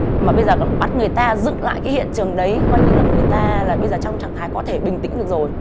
mà bây giờ còn bắt người ta dựng lại cái hiện trường đấy coi như là người ta là bây giờ trong trạng thái có thể bình tĩnh được rồi